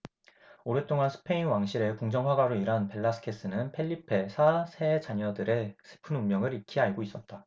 오랫동안 스페인 왕실의 궁정화가로 일한 벨라스케스는 펠리페 사 세 자녀들의 슬픈 운명을 익히 알고 있었다